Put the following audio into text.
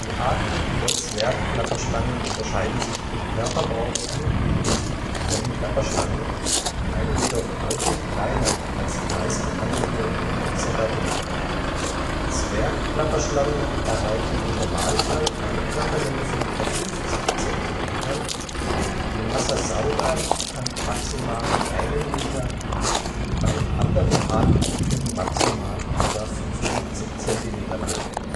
Arten der Zwergklapperschlangen unterscheiden sich im Körperbau nur unwesentlich von den Klapperschlangen, bleiben jedoch deutlich kleiner als die meisten Angehörigen dieser Gattung. Zwergklapperschlangen erreichen im Normalfall eine Körperlänge von etwa 50 Zentimetern, die Massassauga (S. catenatus) kann maximal einen Meter, die beiden anderen Arten können maximal etwa 75 Zentimeter lang werden